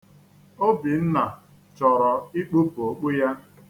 Obinna chọrọ ikpupu okpu ya